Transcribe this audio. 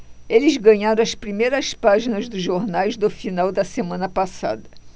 eles ganharam as primeiras páginas dos jornais do final da semana passada